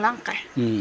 lang ke.